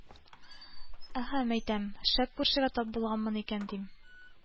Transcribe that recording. Әһә, мәйтәм, шәп күршегә тап булганмын икән, дим.